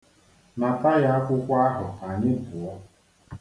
Nata ya akwuḳwo ahụ ka anyị pụọ.